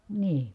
niin